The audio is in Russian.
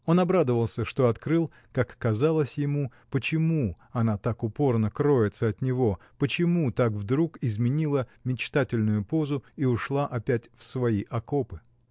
Он обрадовался, что открыл, как казалось ему, почему она так упорно кроется от него, почему так вдруг изменила мечтательную позу и ушла опять в свои окопы.